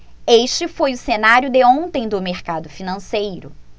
este foi o cenário de ontem do mercado financeiro